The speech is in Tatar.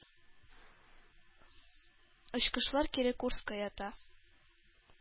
Очкычлар кире курска ята.